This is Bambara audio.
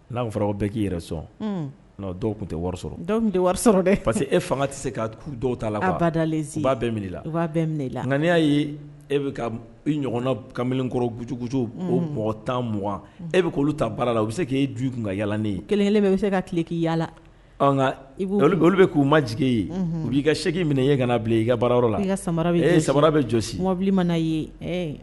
N'a fɔra bɛɛ k'i yɛrɛ sɔn dɔw tun tɛ sɔrɔ sɔrɔ dɛ parce que e fanga tɛ se ka dɔw ta la bɛ i'i y'a ye e bɛ ɲɔgɔnna kakɔrɔjugu o mɔgɔ tanugan e bɛ k olu ta baarala u bɛ se k'i juru kun ka yaa ne ye kelen kelen bɛ se ka tile k' yaalaga olu bɛ k'u ma jigi ye u b'i ka segin minɛ i ka bila i ka bara yɔrɔ la i ka sama sama bɛ jɔsi mobili ma na ye